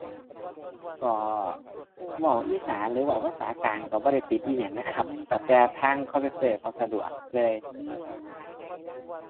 ก็เว้าอีสาน หรือเว้าภาษากลางก็บ่ได้ติดอิหยังนะครับ แล้วแต่ทาง call center เขาสะดวกเลย